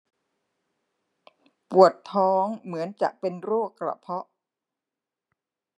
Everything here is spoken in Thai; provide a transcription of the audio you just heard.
ปวดท้องเหมือนจะเป็นโรคกระเพาะ